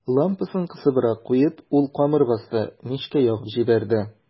Лампасын кысыбрак куеп, ул камыр басты, мичкә ягып җибәрде.